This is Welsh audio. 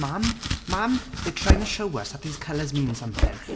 Mam! Mam! They're trying to show us that these colours mean something.